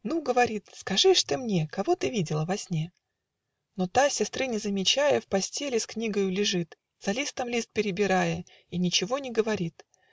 "Ну, говорит, скажи ж ты мне, Кого ты видела во сне?" Но та, сестры не замечая, В постеле с книгою лежит, За листом лист перебирая, И ничего не говорит.